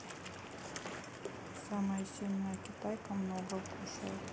самая сильная китайка много кушает